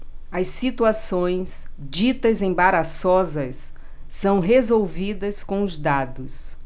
as situações ditas embaraçosas são resolvidas com os dados